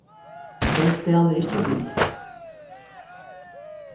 hon spælir ikki við